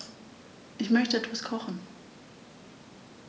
Ich möchte etwas kochen.